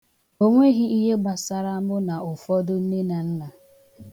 O nweghị ihe gbasara mụ na ụfọdụ nnenanna.